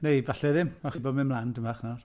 Neu, falle ddim, achos mae'n mynd 'mlaen tipyn bach nawr.